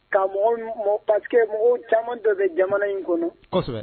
Ka mɔgɔ ninnu parce que mɔgɔ caman de bɛ jamana in kɔnɔ, kosɛbɛ